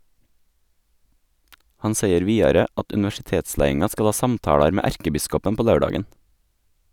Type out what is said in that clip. Han seier vidare at universitetsleiinga skal ha samtalar med erkebiskopen på laurdagen.